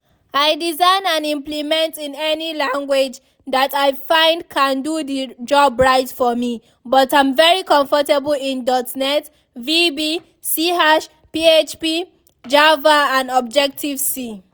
I design and implement in any language that I find can do the job right for me but I’m very comfortable in .NET (VB, C#), PHP, java and Objective C.